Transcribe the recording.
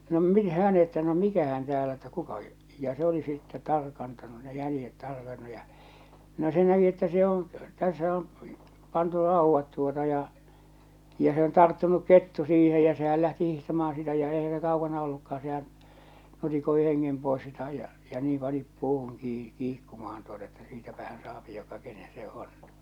no - minähän että no mikähän täällä että kuka ja se oli sitten tarkantanut ne jäljet tarkannut ja no se näki että se on tässä on pantu raudat tuota ja ja se on tarttunut kettu siihen ja sehän lähti hiihtämään sitä ja eihän se kaukana ollutkaan sehän nutikoi hengen pois sitä ja ja niin pani puuhun - kiikkumaan tuota että siitäpähän saa joka kenen se on